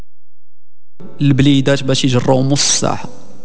البليده الروم صح